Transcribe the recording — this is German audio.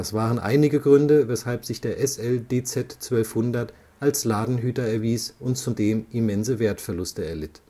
waren einige Gründe, weshalb sich der SL-DZ 1200 als Ladenhüter erwies und zudem immense Wertverluste erlitt